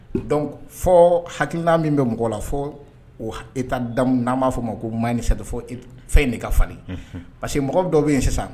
Dɔnku fɔ haina min bɛ mɔgɔ la fɔ o e taa da n'a b'a fɔ ma ko ma ninsa fɛn de ka fa parce que mɔgɔ dɔ bɛ yen sisan